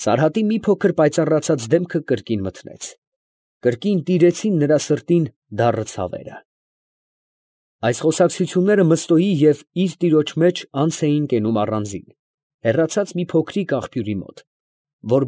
Սարհատի մի փոքր պայծառացած դեմքը կրկին մթնեց, կրկին տիրեցին նրա սրտին դա՜ռն ցավերը… Այս խոսակցությունները Մըստոյի և իր տիրոջ մեջ անց էին կենում առանձին, հեռացած մի փոքրիկ աղբյուրի մոտ, որ։